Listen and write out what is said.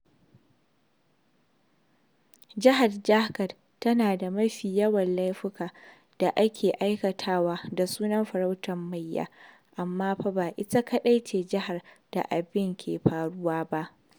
Jihar Jharkhand tana da mafi yawan laifuka da ake aikatawa da sunan farautar mayya, amma fa ba ita kaɗai ce jihar da abin ke faruwa ba.